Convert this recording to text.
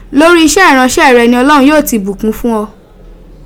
Lori ise iranse re ni Olorun yoo ti bukun fun o.